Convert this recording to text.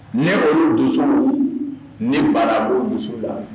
Ne olu dusu ne bana olu dusu la.